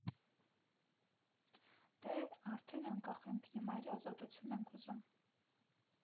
Դե՛, արդեն անկախ ենք, հիմա էլ ազատություն ենք ուզում։